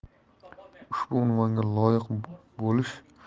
ushbu unvonga loyiq bo'lish